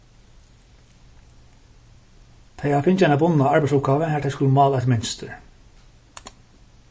tey hava fingið eina bundna arbeiðsuppgávu har tey skulu mála eitt mynstur